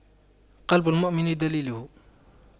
قلب المؤمن دليله